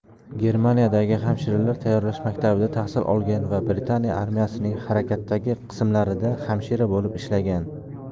germaniyadagi hamshiralar tayyorlash maktabida tahsil olgan va britaniya armiyasining harakatdagi qismlarida hamshira bo'lib ishlagan